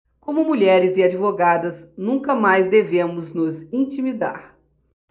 como mulheres e advogadas nunca mais devemos nos intimidar